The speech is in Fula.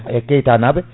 hay e Keita naɓe